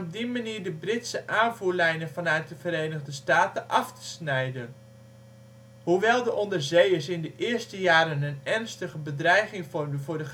die manier de Britse aanvoerlijnen vanuit de Verenigde Staten af te snijden. Hoewel de onderzeeërs in de eerste jaren een ernstige bedreiging vormden voor de